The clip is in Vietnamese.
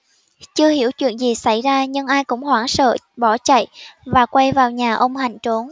chưa hiểu chuyện gì xảy ra nhưng ai cũng hoảng sợ bỏ chạy và quay vào nhà ông hạnh trốn